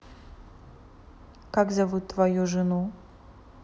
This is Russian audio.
как зовут мою жену